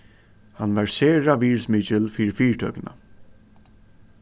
hann var sera virðismikil fyri fyritøkuna